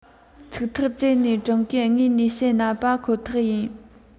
ཚིག ཐག བཅད ནས ཀྲུང གོའི ངོས ནས བཤད ན པ ཁོ ཐག ཡིན